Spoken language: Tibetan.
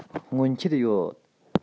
སྔོན ཆད ཡོད